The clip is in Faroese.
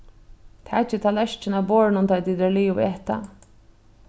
takið tallerkin av borðinum tá tit eru liðug at eta